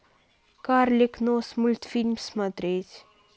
карлик нос мультфильм смотреть